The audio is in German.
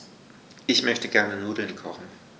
Ich möchte gerne Nudeln kochen.